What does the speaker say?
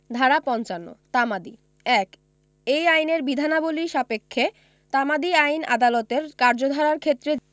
ধারা ৫৫ তামাদি ১ এই আইনের বিধানাবলী সাপেক্ষে তামাদি আইন আদালতের কার্য ধারার ক্ষেত্রে